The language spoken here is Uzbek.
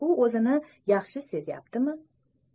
u o'zini yaxshi sezyaptimi